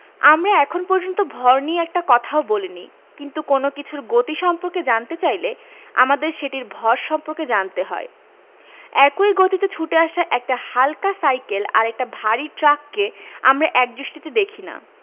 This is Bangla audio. আমরা এখন পর্যন্ত ভর নিয়ে একটি কথাও বলিনি কিন্তু কোনো কিছুর গতি সম্পর্কে জানতে চাইলে আমাদের সেটির ভর সম্পর্কে জানতে হয় একই গতিতে ছুটে আসা একটা হালকা সাইকেল আর একটা ভারী ট্রাককে আমরা একদৃষ্টিতে দেখি না